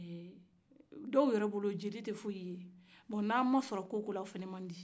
dɔw yɛrɛ bolo jeli tɛ foyi ye n'a ma sɔrɔ ko mina o fɛnɛ man di